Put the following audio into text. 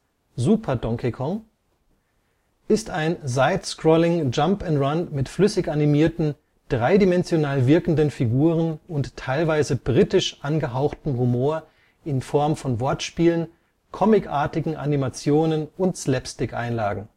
Super Donkey Kong in Japan) ist ein Side-Scrolling-Jump'n'Run mit flüssig animierten, dreidimensional wirkenden Figuren und teilweise britisch angehauchtem Humor in Form von Wortspielen, comicartigen Animationen und Slapstick-Einlagen